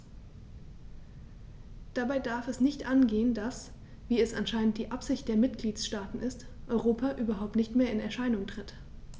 Dabei darf es nicht angehen, dass - wie es anscheinend die Absicht der Mitgliedsstaaten ist - Europa überhaupt nicht mehr in Erscheinung tritt.